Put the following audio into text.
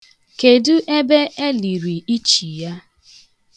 Kedu ebe eliri ichi ya?